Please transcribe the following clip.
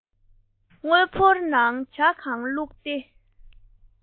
དངུལ ཕོར ནང ཇ གང བླུགས ཏེ